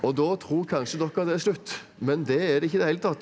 og da tror kanskje dere det er slutt men det er det ikke i det hele tatt.